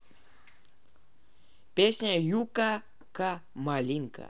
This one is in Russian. песня yaka ка малинка